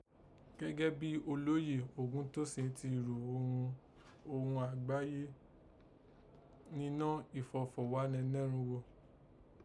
Gẹ́gẹ́ bí olóye Ògúntósìn tí rò ghún Oghùn Àgbáyé ninọ́ ìfọfọ̀ghánẹnẹ́rungho